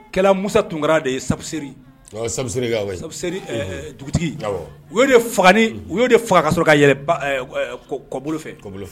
Kɛla Moussa Tounkara de ye Sapserie ɔɔ Sapsenega oui Sapserie ɛ ɛ dugutigi unhun u y'o de faga ni u y'o de faga ka sɔrɔ ka yɛlɛ ba ɛw ɛɛ kɔbolo fɛ kɔbolo fɛ